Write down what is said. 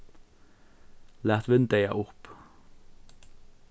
lat vindeygað upp